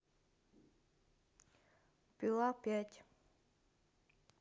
пила пять